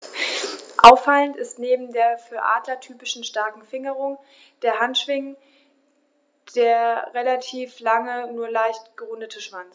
Auffallend ist neben der für Adler typischen starken Fingerung der Handschwingen der relativ lange, nur leicht gerundete Schwanz.